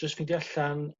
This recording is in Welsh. jyst findio allan